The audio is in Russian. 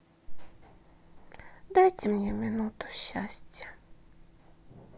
дайте мне минуту счастья